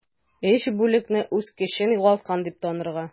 3 бүлекне үз көчен югалткан дип танырга.